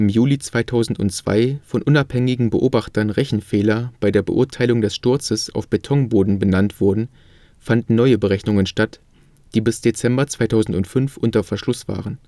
Juli 2002 von unabhängigen Beobachtern Rechenfehler bei der Beurteilung des Sturzes auf Betonboden benannt wurden, fanden neue Berechnungen statt, die bis Dezember 2005 unter Verschluss waren